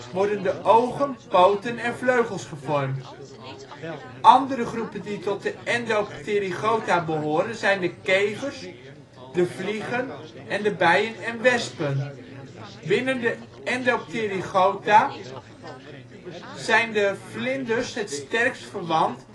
worden de ogen, poten en vleugels gevormd. Andere groepen die tot de Endopterygota behoren zijn de kevers, de vliegen en de bijen en wespen. Binnen de Endopterygota zijn de vlinders het sterkst verwant